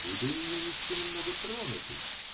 Лида и "Нюничка" немного тронуты.